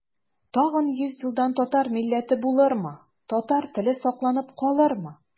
Тагын йөз елдан татар милләте булырмы, татар теле сакланып калырмы?